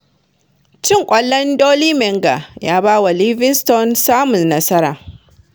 Cin ƙwallon Dolly Menga ya ba wa Livingston samun nasara